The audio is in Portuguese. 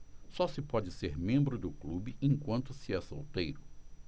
só se pode ser membro do clube enquanto se é solteiro